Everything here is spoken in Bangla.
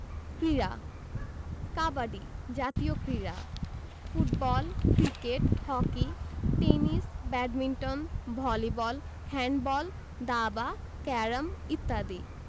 ক্রীড়াঃ কাবাডি জাতীয় ক্রীড়া football cricket hockey tennis badminton volleyball handball দাবা ক্যারম ইত্যাদি